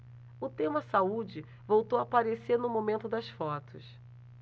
o tema saúde voltou a aparecer no momento das fotos